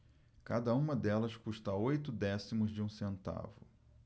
cada uma delas custa oito décimos de um centavo